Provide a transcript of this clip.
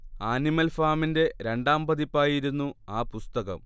animal ഫാമിന്റെ രണ്ടാം പതിപ്പായിരുന്നു ആ പുസ്തകം